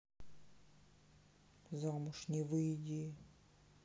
замуж не выйди